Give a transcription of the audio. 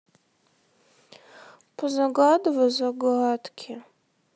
позагадывай загадки